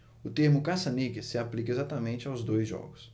o termo caça-níqueis se aplica exatamente aos dois jogos